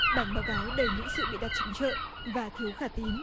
bản báo cáo đầy những sự bịa đặt trắng trợn và thiếu khả tín